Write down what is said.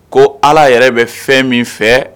Ko ala yɛrɛ bɛ fɛn min fɛ